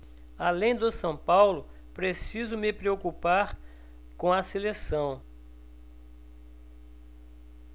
além do são paulo preciso me preocupar com a seleção